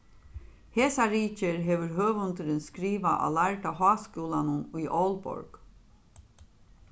hesa ritgerð hevur høvundurin skrivað á lærda háskúlanum í aalborg